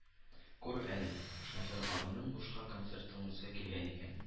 Күр әле, шофер абыйның бушка концерт тыңлыйсы килгән икән